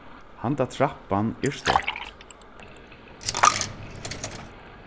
handan trappan er stoypt